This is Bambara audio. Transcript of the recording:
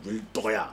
U y'i dɔgɔya